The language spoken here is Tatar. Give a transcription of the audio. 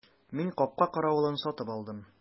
Мин капка каравылын сатып алдым.